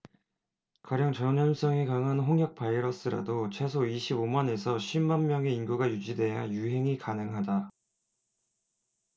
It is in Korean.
가령 전염성이 강한 홍역 바이러스라도 최소 이십 오 만 에서 쉰 만명의 인구가 유지돼야 유행이 가능하다